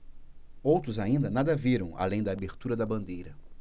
outros ainda nada viram além da abertura da bandeira